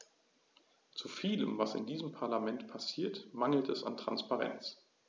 Zu vielem, was in diesem Parlament passiert, mangelt es an Transparenz.